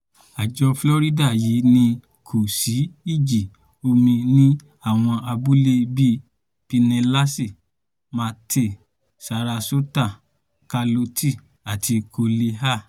Àjọ Florida yìí ní kò sí ìjì omi ní àwọn abúlé bíi Pinellas, Manatee, Sarasota, Charlotte àti Collier.